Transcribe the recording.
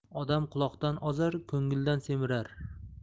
odam quloqdan ozar ko'ngildan semirar